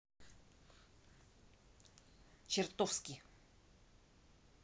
чертовски